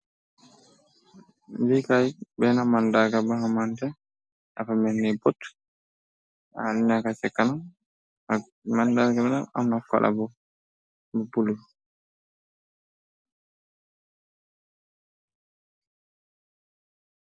Likaay benn mandaaga banamante afa menni pot anaka ce kana ak mandaaga benna amna falab bu bulul.